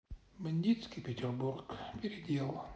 бандитский петербург передел